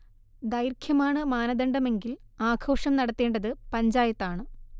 ദൈർഘ്യമാണ് മാനദണ്ഡമെങ്കിൽ ആഘോഷം നടത്തേണ്ടത് പഞ്ചായത്താണ്